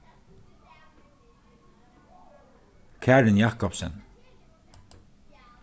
karin jacobsen